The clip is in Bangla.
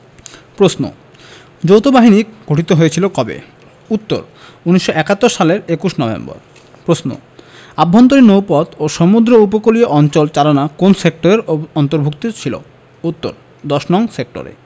প্রশ্ন যৌথবাহিনী গঠিত হয়েছিল কবে উত্তর ১৯৭১ সালের ২১ নভেম্বর প্রশ্ন আভ্যন্তরীণ নৌপথ ও সমুদ্র উপকূলীয় অঞ্চল চালনা কোন সেক্টরের অন্তভু র্ক্ত ছিল উত্তরঃ ১০নং সেক্টরে